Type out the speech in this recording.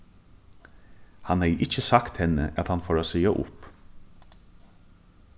hann hevði ikki sagt henni at hann fór at siga upp